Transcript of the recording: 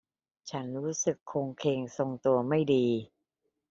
ฉันรู้สึกโคลงเคลงทรงตัวไม่ดี